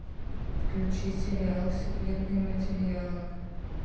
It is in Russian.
включи сериал секретные материалы